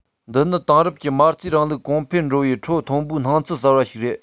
འདི ནི དེང རབས ཀྱི མ རྩའི རིང ལུགས གོང འཕེལ འགྲོ བའི ཁྲོད ཐོན པའི སྣང ཚུལ གསར པ ཞིག རེད